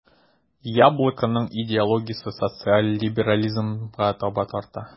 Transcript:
"яблоко"ның идеологиясе социаль либерализмга таба тарта.